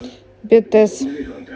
б е т е з